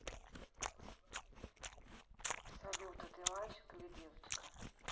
салют а ты мальчик или девочка